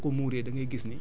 di ko arrosé di ko muuraat